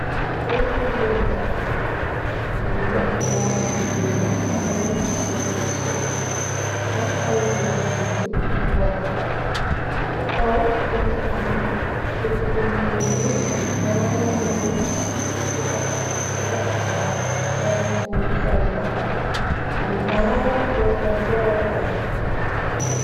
Këyti zurnaal mu ngi def ñyaari góor benn ci ken si suuf am ay bindi bindi yu xonku ci kaw munu am bind bind yi ñuur am ñaari góor yi fa taxaw kenn ki mungi sol mbaxana am ñaari góor tam sa wega.